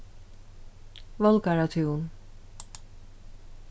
válgaratún